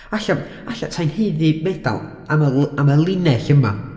Alla, alla 'sai'n haeddu medal am y l- am y linell yma.